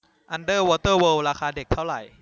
อันเดอร์วอเตอร์เวิล์ดราคาเด็กเท่าไหร่